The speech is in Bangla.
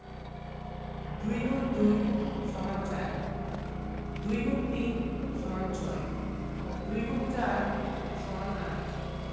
২ X ২ = ৪ ২ X ৩ = ৬ ২ X ৪ = ৮